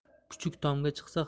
kuchuk tomga chiqsa